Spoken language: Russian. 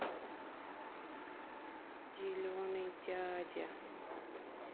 зеленый дядя